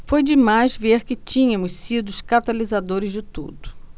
foi demais ver que tínhamos sido os catalisadores de tudo